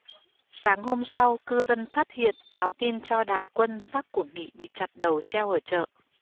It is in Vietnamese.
sáng hôm sau cư dân phát hiện báo tin cho đài quân xác của nghị bị chặt đầu treo ở chợ